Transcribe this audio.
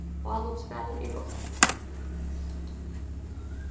álopsspælið er gott